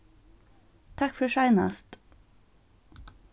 takk fyri seinast